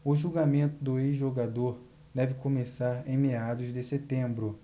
o julgamento do ex-jogador deve começar em meados de setembro